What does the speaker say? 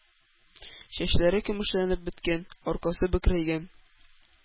Чәчләре көмешләнеп беткән, аркасы бөкрәйгән,